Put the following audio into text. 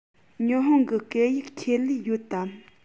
ཉི ཧོང གི སྐད ཡིག ཆེད ལས ཡོད དམ